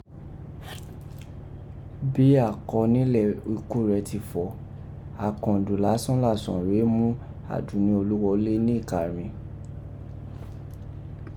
Bi akọnilẹ iku rẹ ti fọ̀ọ́, akandun lásán làsàn rèé mú Adunni Oluwole ni ika rin.